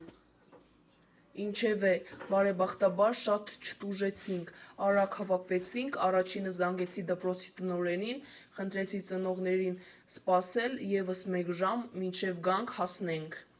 Ինչևէ, բարեբախտաբար, շատ չտուժեցինք, արագ հավաքվեցինք, առաջինը զանգեցի դպրոցի տնօրենին, խնդրեցի ծնողներին սպասել ևս մեկ ժամ, մինչև գանք, հասնենք։